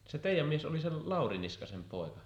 se teidän mies oli sen Lauri Niskasen poika